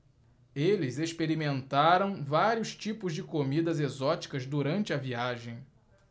eles experimentaram vários tipos de comidas exóticas durante a viagem